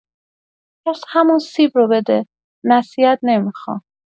پس همون سیب رو بده، نصیحت نمی‌خوام.